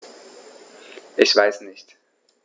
Ich weiß nicht.